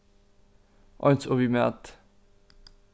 eins og við mati